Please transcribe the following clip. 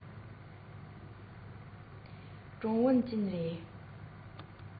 གྲོང གསེབ ཏུ ལམ ཕྲན གྱི ངོས དང རྡོ ཟམ གྱི འགྲམ ན ཆར གདུགས སྒྲེང བའི སྐྱེ བོ འགའ ཞིག དལ བུར རྒྱུ ཞིང